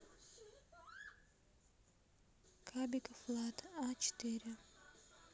кабиков влад а четыре